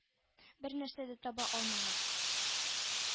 Бер нәрсә дә таба алмагач: